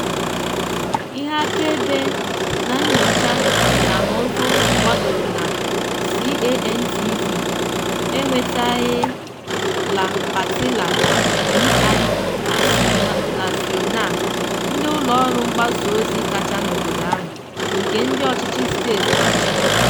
Ihe akaebe na nnyocha nkànaụzụ kwadoro na CANTV enwetaghị La Patilla na El Nacional, ndị ụlọọrụ mgbasaozi kacha n'obodo ahụ, nke ndị ọchịchị steeti na-achịkwa.